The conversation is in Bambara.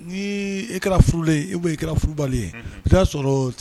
N'i kɛra furulen ou bien furubali ye, unhun, i b'i aa sɔrɔ